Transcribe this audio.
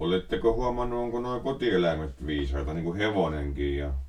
oletteko huomannut onko nuo kotieläimet viisaita niin kuin hevonenkin ja